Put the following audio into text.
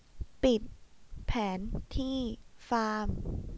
ปิดแผนที่ฟาร์ม